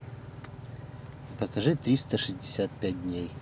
покажи триста шестьдесят пять дней